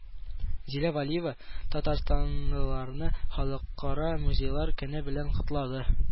Зилә Вәлиева татарстанлыларны Халыкара музейлар көне белән котлады